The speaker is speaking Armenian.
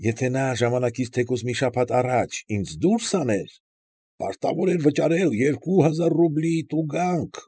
Եթե նա ժամանակից թեկուզ մի շաբաթ առաջ ինձ դուրս աներ, պարտավոր էր վճարել երկու հազար ռուբլի տուգանք։